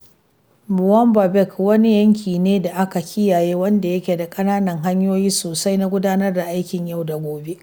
Boumba Bek wani yanki ne da aka kiyaye wanda yake da ƙananan hanyoyi sosai na gudanar da aikin yau da gobe.